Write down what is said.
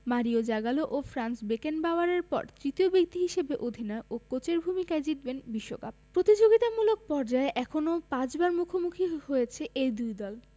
Mario Zagallo ও Franz বেকেনবাওয়ারের পর তৃতীয় ব্যক্তি হিসেবে অধিনায়ক ও কোচের ভূমিকায় জিতবেন বিশ্বকাপ প্রতিযোগিতামূলক পর্যায়ে এখন পর্যন্ত পাঁচবার মুখোমুখি হয়েছে এই দুই দল